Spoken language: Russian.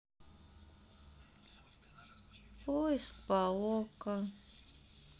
поиск по окко